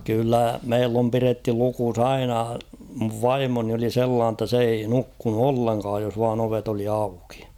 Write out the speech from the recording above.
kyllä meillä on pidetty lukossa aina minun vaimoni oli sellainen jotta se ei nukkunut ollenkaan jos vain ovet oli auki